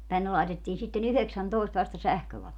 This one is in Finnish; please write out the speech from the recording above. tänne laitettiin sitten yhdeksäntoista vasta sähkövalot